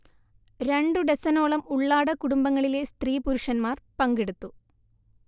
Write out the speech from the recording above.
രണ്ടു ഡസനോളം ഉള്ളാട കുടുംബങ്ങളിലെ സ്ത്രീ-പുരുഷന്മാർ പങ്കെടുത്തു